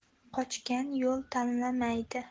qochgan yo'l tanlamaydi